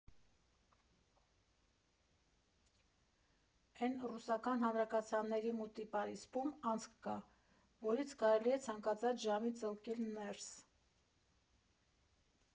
Էն ռուսական հանրակացարանների մոտի պարիսպում անցք կա, որից կարելի է ցանկացած ժամի ծլկել ներս։